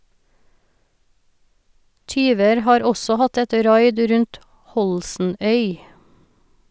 - Tyver har også hatt et raid rundt Holsenøy.